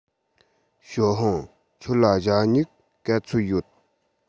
ཞའོ ཧུང ཁྱོད ལ ཞྭ སྨྱུག ག ཚོད ཡོད